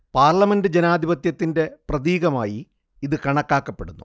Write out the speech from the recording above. parliament ജനാധിപത്യത്തിന്റെ പ്രതീകമായി ഇതു കണക്കാക്കപ്പെടുന്നു